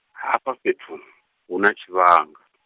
hafha fhethu, hu na tshivhanga.